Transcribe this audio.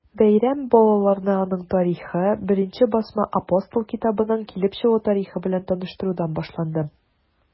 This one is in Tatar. Бәйрәм балаларны аның тарихы, беренче басма “Апостол” китабының килеп чыгу тарихы белән таныштырудан башланды.